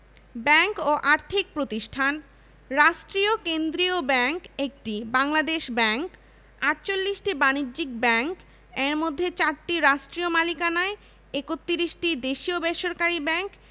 রাষ্ট্রায়ত্ত বাণিজ্যিক ব্যাংক এবং উন্নয়ন কর্মকান্ডে নিয়োজিত বিশেষ ধরনের ব্যাংকগুলোই মূলত দেশের ব্যাংকিং ব্যবস্থাকে নিয়ন্ত্রণ করে থাকে